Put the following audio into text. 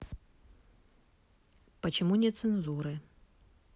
почему нет цензуры